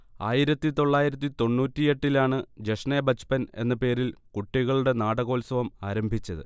ആയിരത്തി തൊള്ളായിരത്തി തൊണ്ണൂറ്റിയെട്ടിലാണ് ജഷ്നേ ബച്പൻ എന്ന പേരിൽ കുട്ടികളുടെ നാടകോത്സവം ആരംഭിച്ചത്